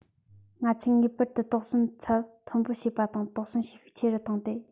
ང ཚོས ངེས པར དུ དོགས ཟོན ཚད མཐོན པོ བྱེད པ དང དོགས ཟོན བྱེད ཤུགས ཆེ རུ བཏང སྟེ